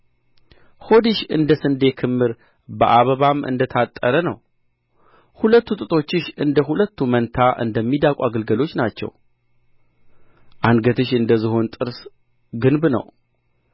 ሆድሽ እንደ ስንዴ ክምር በአበባም እንደ ታጠረ ነው ሁለቱ ጡቶችሽ እንደ ሁለቱ መንታ እንደ ሚዳቋ ግለገሎች ናቸው አንገትሽ እንደ ዝሆን ጥርስ ግንብ ነው